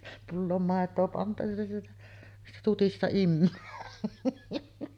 pulloon maitoa pantu ja sieltä siitä tutista imee